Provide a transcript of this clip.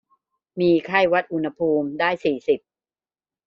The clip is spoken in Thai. มีไข้วัดอุณหภูมิได้สี่สิบ